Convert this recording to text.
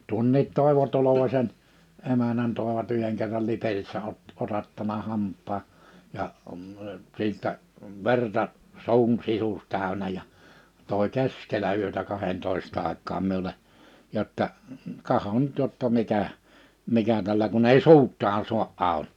tuon Toivo Tolvasen emännän toivat yhden kerran Liperissä - otattanut hampaan ja sitten verta suun sisus täynnä ja toi keskellä yötä kahdentoista aikaan minulle jotta katso nyt jotta mikä mikä tällä kun ei suutaan saa auki